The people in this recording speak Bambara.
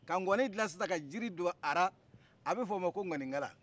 ka ŋɔni dilan sisan ka jiri do ala a bɛ f'oma ko ŋɔni kala